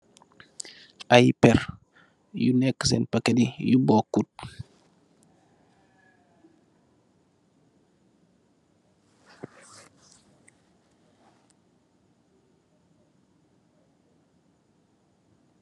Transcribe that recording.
Ayy perr yu neka sen packat yi yu mokut.